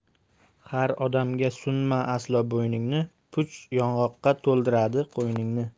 har odamga sunma aslo bo'yningni puch yong'oqqa to'ldiradi qo'yningni